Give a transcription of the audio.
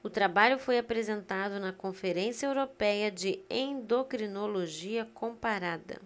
o trabalho foi apresentado na conferência européia de endocrinologia comparada